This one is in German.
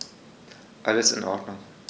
Alles in Ordnung.